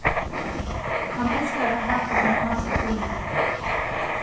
hann elskar at hata amerikanskar filmar